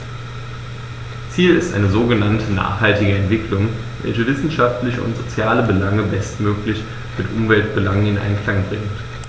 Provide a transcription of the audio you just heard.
Ziel ist eine sogenannte nachhaltige Entwicklung, welche wirtschaftliche und soziale Belange bestmöglich mit Umweltbelangen in Einklang bringt.